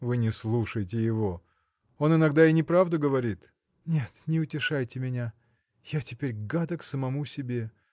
– Вы не слушайте его: он иногда и неправду говорит. – Нет, не утешайте меня. Я теперь гадок самому себе.